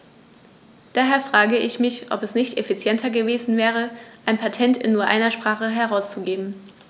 Daher frage ich mich, ob es nicht effizienter gewesen wäre, ein Patent in nur einer Sprache herauszugeben.